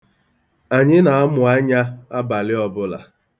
Anyị na-amụ anya abalị ọbụla.